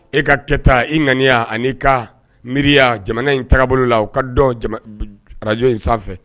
E ka kɛ ta, i ŋaniya an'i ka miiriya jamana in tagabolo la o ka dɔn radio in sanfɛ.